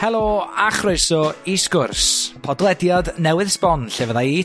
Helo a chroeso i sgwrs podlediad newydd sbon lle fydda i